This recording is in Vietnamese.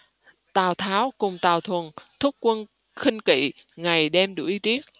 tào tháo cùng tào thuần thúc quân khinh kỵ ngày đêm đuổi riết